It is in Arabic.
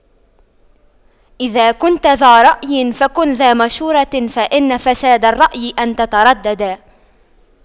إذا كنتَ ذا رأيٍ فكن ذا مشورة فإن فساد الرأي أن تترددا